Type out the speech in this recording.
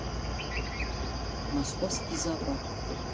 московский зоопарк